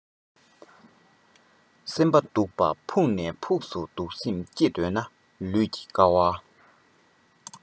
སེམས པ སྡུག པ ཕུགས ནས ཕུགས སུ སྡུག སེམས སྐྱིད འདོད ན ལུས ཀྱིས དཀའ བ སྤྱོད